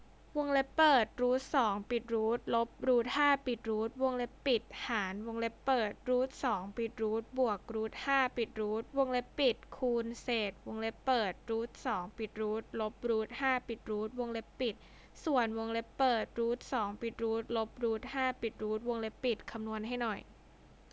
วงเล็บเปิดรูทสองปิดรูทลบรูทห้าปิดรูทวงเล็บปิดหารวงเล็บเปิดรูทสองปิดรูทบวกรูทห้าปิดรูทวงเล็บปิดคูณเศษวงเล็บเปิดรูทสองปิดรูทลบรูทห้าปิดรูทวงเล็บปิดส่วนวงเล็บเปิดรูทสองปิดรูทลบรูทห้าปิดรูทวงเล็บปิดคำนวณให้หน่อย